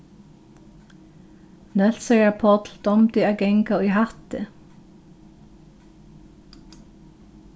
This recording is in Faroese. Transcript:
nólsoyar páll dámdi at ganga í hatti